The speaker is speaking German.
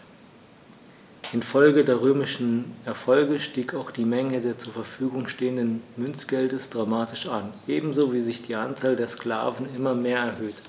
Infolge der römischen Erfolge stieg auch die Menge des zur Verfügung stehenden Münzgeldes dramatisch an, ebenso wie sich die Anzahl der Sklaven immer mehr erhöhte.